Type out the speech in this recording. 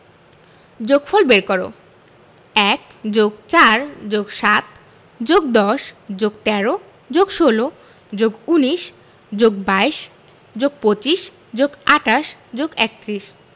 যোগফল বের করঃ ১+৪+৭+১০+১৩+১৬+১৯+২২+২৫+২৮+৩১